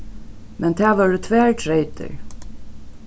men tað vóru tvær treytir